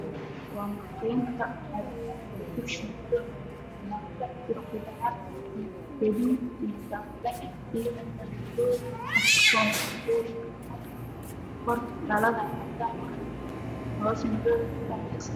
Waa makiinada qudaarta lagu shiido midab keedu waa madow